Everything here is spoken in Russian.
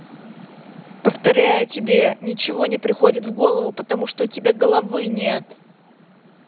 повторяю тебе ничего не приходит в голову потому что у тебя головы нет